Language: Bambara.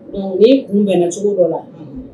U bɛnnacogo dɔ la